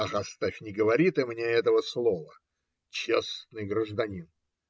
- Ах, оставь, не говори ты мне этого слова. Честный гражданин!